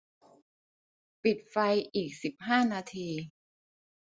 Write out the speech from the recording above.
ปิดไฟอีกสิบห้านาที